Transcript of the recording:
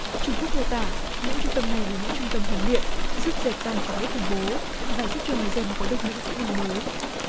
trung quốc mô tả những trung tâm này là những trung tâm huấn luyện giúp dẹp tan chủ nghĩa khủng bố và giúp cho người dân có được những kỹ năng mới